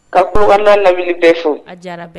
Ka koda lawu bɛ fo